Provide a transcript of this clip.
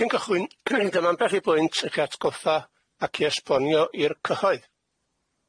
Cyn cychwyn dyma ambell i bwynt eich atgoffa ac i esbonio i'r cyhoedd.